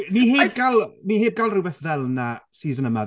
Ni heb gael ni heb gael rywbeth fel 'na season yma.